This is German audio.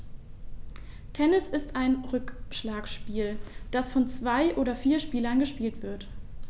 Tennis ist ein Rückschlagspiel, das von zwei oder vier Spielern gespielt wird.